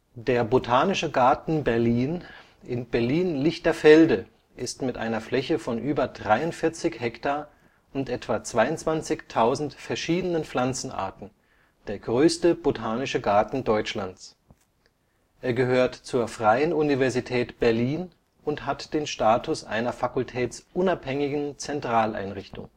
Der Botanische Garten Berlin in Berlin-Lichterfelde ist mit einer Fläche von über 43 Hektar und etwa 22.000 verschiedenen Pflanzenarten der größte Botanische Garten Deutschlands. Er gehört zur Freien Universität Berlin und hat den Status einer fakultätsunabhängigen Zentraleinrichtung